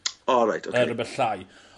O reit oce*. ...yy rwbwth llai.